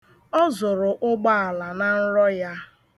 Ọ zụrụ ụgbaala na nrọ ya.